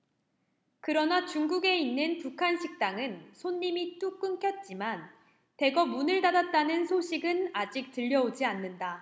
그러나 중국에 있는 북한 식당은 손님이 뚝 끊겼지만 대거 문을 닫았다는 소식은 아직 들려오지 않는다